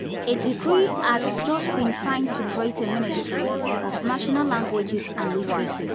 “A decree has just been signed to create a Ministry of National Languages and Literacy.”